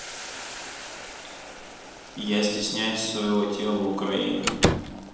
я стесняюсь своего тела украина